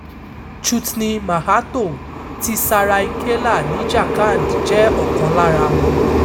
Chutni Mahato ti Saraikela ní Jharkhand jẹ́ ọ̀kan lára wọn.